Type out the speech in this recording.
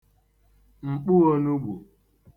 m̀kpụōnūgbù